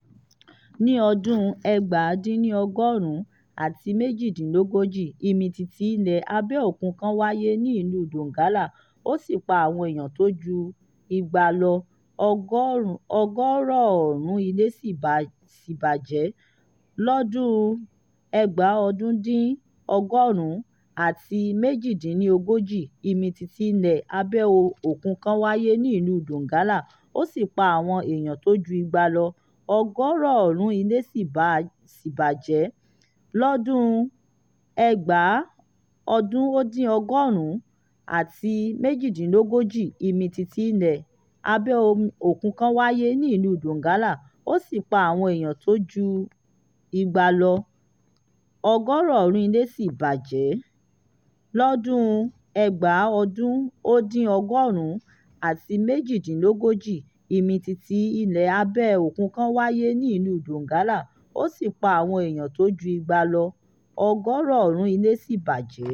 Lọ́dún 1938, ìmìtìtì ilẹ̀ abẹ́ òkun kan wáyé ní ìlú Donggala, ó sì pa àwọn èèyàn tó ju igba [200] lọ, ọgọ́rọ̀ọ̀rún ilé sì bà jẹ́.